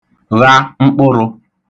gha mkpụrụ̄